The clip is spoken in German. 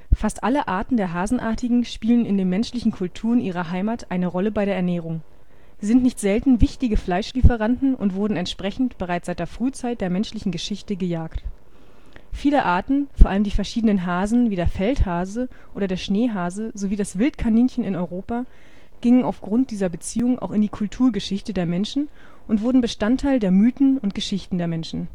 Fast alle Arten der Hasenartigen spielen in den menschlichen Kulturen ihrer Heimat eine Rolle bei der Ernährung. Sie sind nicht selten wichtige Fleischlieferanten und wurden entsprechend bereits seit der Frühzeit der menschlichen Geschichte gejagt. Viele Arten, vor allem die verschiedenen Hasen, wie der Feldhase oder der Schneehase sowie das Wildkaninchen in Europa, gingen aufgrund dieser Beziehung auch in die Kulturgeschichte der Menschen und wurden Bestandteil der Mythen und Geschichten der Menschen